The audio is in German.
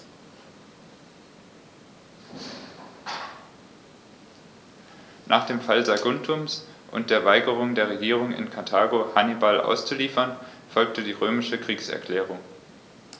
Nach dem Fall Saguntums und der Weigerung der Regierung in Karthago, Hannibal auszuliefern, folgte die römische Kriegserklärung.